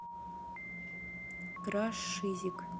crash шизик